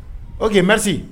O k'i ma